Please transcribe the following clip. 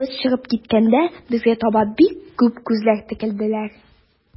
Без чыгып киткәндә, безгә таба бик күп күзләр текәлделәр.